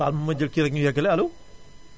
baal ma ma jël kii rekk ñu yegale allo